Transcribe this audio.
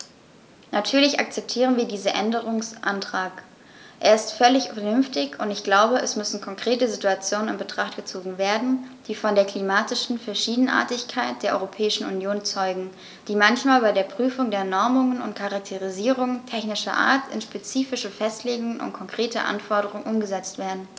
Natürlich akzeptieren wir diesen Änderungsantrag, er ist völlig vernünftig, und ich glaube, es müssen konkrete Situationen in Betracht gezogen werden, die von der klimatischen Verschiedenartigkeit der Europäischen Union zeugen, die manchmal bei der Prüfung der Normungen und Charakterisierungen technischer Art in spezifische Festlegungen und konkrete Anforderungen umgesetzt werden.